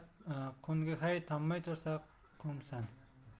tommay qolsa quhmsan